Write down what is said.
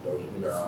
Bon